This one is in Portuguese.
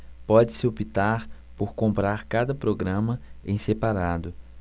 pode-se optar por comprar cada programa em separado